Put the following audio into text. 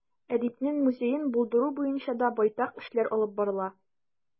Әдипнең музеен булдыру буенча да байтак эшләр алып барыла.